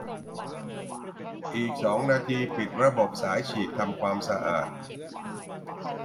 อีกสองนาทีปิดระบบสายฉีดทำความสะอาด